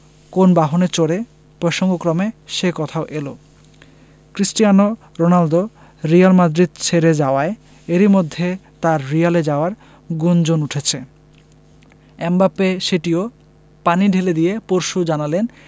কোন বাহনে চড়ে প্রসঙ্গক্রমে সে কথাও এল ক্রিস্টিয়ানো রোনালদো রিয়াল মাদ্রিদ ছেড়ে যাওয়ায় এরই মধ্যে তাঁর রিয়ালে যাওয়ার গুঞ্জন উঠেছে এমবাপ্পে সেটিও পানি ঢেলে দিয়ে পরশু জানালেন